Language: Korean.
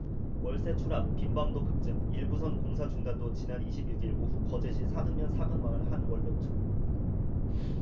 월세 추락 빈 방도 급증 일부선 공사 중단도 지난 이십 육 일 오후 거제시 사등면 사근마을 한 원룸촌